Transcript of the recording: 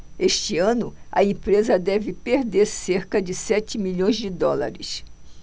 este ano a empresa deve perder cerca de sete milhões de dólares